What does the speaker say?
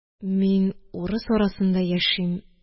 – мин урыс арасында яшим,